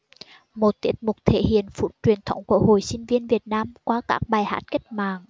một tiết mục thể hiện phút truyền thống của hội sinh viên việt nam qua các bài hát cách mạng